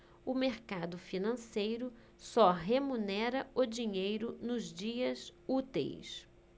o mercado financeiro só remunera o dinheiro nos dias úteis